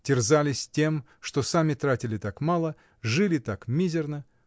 терзались тем, что сами тратили так мало, жили так мизерно